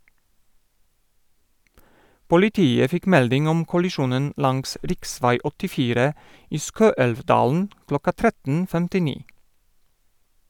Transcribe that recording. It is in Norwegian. Politiet fikk melding om kollisjonen langs riksvei 84 i Skøelvdalen klokka 13.59.